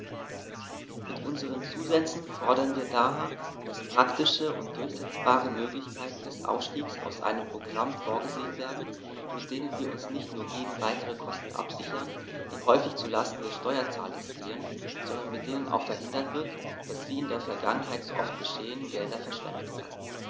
Mit unseren Zusätzen fordern wir daher, dass praktische und durchsetzbare Möglichkeiten des Ausstiegs aus einem Programm vorgesehen werden, mit denen wir uns nicht nur gegen weitere Kosten absichern, die häufig zu Lasten des Steuerzahlers gehen, sondern mit denen auch verhindert wird, dass, wie in der Vergangenheit so oft geschehen, Gelder verschwendet werden.